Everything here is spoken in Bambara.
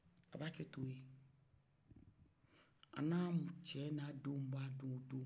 a ba kɛ to ye ani cɛ ni a denw b'o dun o do